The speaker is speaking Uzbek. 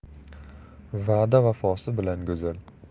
va'da vafosi bilan go'zal